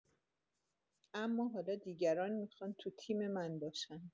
اما حالا دیگران می‌خوان تو تیم من باشن.